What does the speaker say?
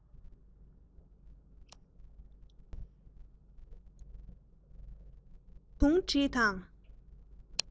སྒྲུང ཐུང བྲིས དང